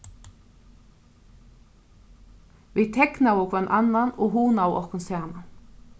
vit teknaðu hvønn annan og hugnaðu okkum saman